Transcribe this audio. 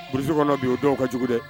Brousse kɔnɔ bi o dɔw ka jugu dɛ